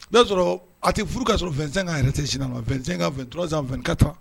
O y'a sɔrɔ a tɛ furu ka sɔrɔ fɛnsenkan yɛrɛ tɛ sinina fɛnsenka fɛ dɔrɔnz fɛn ka tan